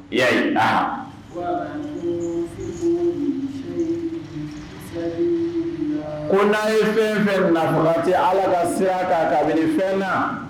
I y'a ye aa , ko n'a ye fɛn fɛn nafakati Ala ka se sira k'a ka bɛ ni fɛn na